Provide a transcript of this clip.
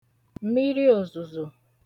m̀iriòzùzò